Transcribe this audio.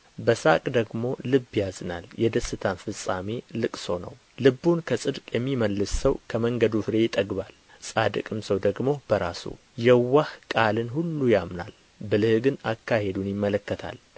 በሳቅ ደግሞ ልብ ያዝናል የደስታም ፍጻሜ ልቅሶ ነው ልቡን ከጽድቅ የሚመልስ ሰው ከመንገዱ ፍሬ ይጠግባል ጻድቅም ሰው ደግሞ በራሱ የዋህ ቃልን ሁሉ ያምናል ብልህ ግን አካሄዱን ይመለከታል